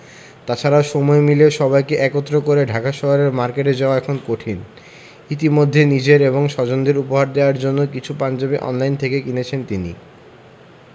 তা ছাড়া সময় মিলিয়ে সবাইকে একত্র করে ঢাকা শহরের মার্কেটে যাওয়া এখন কঠিন ইতিমধ্যে নিজের এবং স্বজনদের উপহার দেওয়ার জন্য কিছু পাঞ্জাবি অনলাইন থেকে কিনেছেন তিনি